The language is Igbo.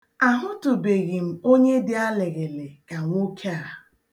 Ahụtụbeghị m onye dị alịghịlị ka nwoke a.